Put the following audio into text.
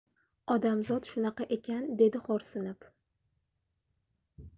odamzod shunaqa ekan dedi xo'rsinib